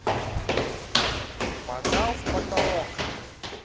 падал в потолок